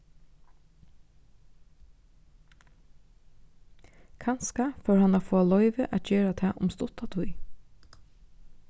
kanska fór hann at fáa loyvi at gera tað um stutta tíð